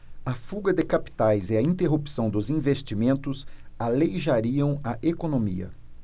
a fuga de capitais e a interrupção dos investimentos aleijariam a economia